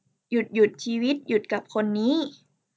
หยุดหยุดชีวิตหยุดกับคนนี้